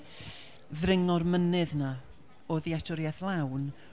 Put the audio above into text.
ddringo'r mynydd 'na o ddealltwriaeth lawn...